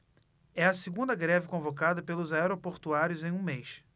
é a segunda greve convocada pelos aeroportuários em um mês